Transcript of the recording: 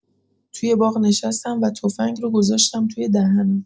توی باغ نشستم و تفنگ رو گذاشتم توی دهنم.